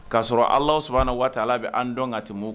K'asɔrɔ ala sɔnna waati ala bɛ an dɔn ka tɛmɛ